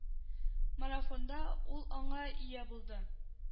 Марафонда ул аңа ия булды